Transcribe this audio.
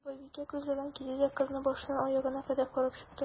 Карт байбикә, күзлеген киде дә, кызны башыннан аягына кадәр карап чыкты.